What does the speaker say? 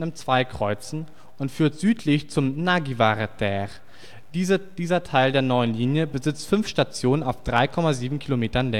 M2 kreuzen, und führt südlich zum Nagyvárad tér. Dieser Teil der neuen Linie besitzt fünf Stationen auf 3,7 Kilometern